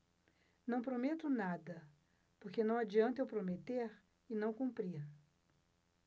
não prometo nada porque não adianta eu prometer e não cumprir